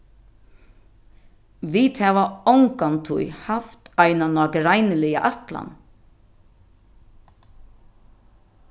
vit hava ongantíð havt eina nágreiniliga ætlan